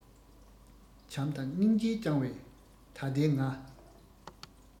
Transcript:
བྱམས དང སྙིང རྗེས བསྐྱང པས ད ལྟའི ང